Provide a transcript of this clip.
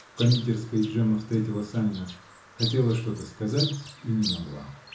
В кондитерской Джемма встретила Санина; хотела что-то сказать -- и не могла.